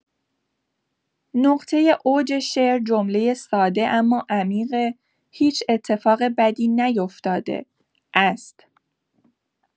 نقطه اوج شعر، جمله ساده اما عمیق «هیچ اتفاق بدی نیفتاده» است.